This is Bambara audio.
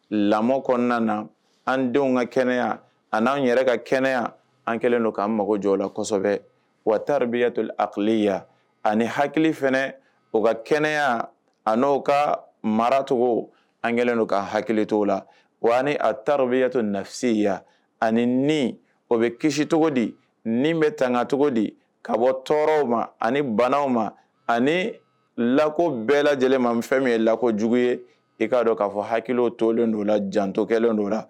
Lamɔ kɔnɔna na an denw ka kɛnɛya ani'an yɛrɛ ka kɛnɛya an kɛlen don kaan mago jɔ la wabiya to ale yan ani hakili fana o ka kɛnɛya ani n ka maracogogo an kɛlen don ka hakili to la wa a tarobiyatɔ nasi yan ani o bɛ kisi cogo di min bɛ tanga cogo di ka bɔ tɔɔrɔw ma ani banaw ma ani lakɔ bɛɛ lajɛlen n fɛn min ye lako jugu ye e k'a dɔn k'a fɔ hakili tolen don la janto kɛlen don la